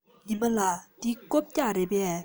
ཉི མ ལགས འདི རྐུབ བཀྱག རེད པས